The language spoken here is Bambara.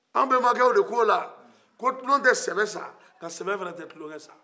an bɛbakɛ de ko la ko tulon tɛ sɛbɛ sa sɛbɛfana tɛbtulon sa